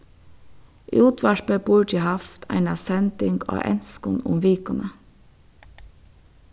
útvarpið burdi havt eina sending á enskum um vikuna